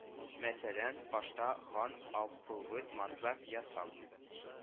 Мәсәлән, пашта, хан, алпавыт, морза, ясак